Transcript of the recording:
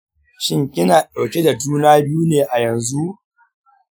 shin kina ɗauke da juna biyu ne a yanzu?